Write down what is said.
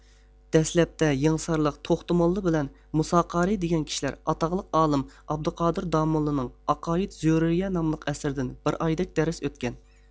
دەسلەپتە يېڭىسارلىق توختى موللا بىلەن مۇسا قارىي دېگەن كىشىلەر ئاتاقلىق ئالىم ئابدۇقادىر داموللانىڭ ئاقايىد زۆرۈرىيە ناملىق ئەسىرىدىن بىر ئايدەك دەرس ئۆتكەن